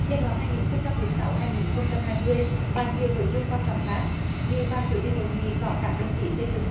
giai đoạn hai nghìn không trăm mười sáu hai nghìn không trăm hai mươi và nhiều nội dung quan trọng khác dự và chủ trì hội nghị có các đồng chí lê trường